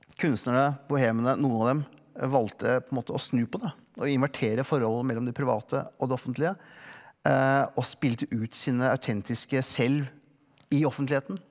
kunstnerne bohemene noen av dem valgte på en måte å snu på det og invertere forholdet mellom det private og det offentlige og spilte ut sine autentiske selv i offentligheten.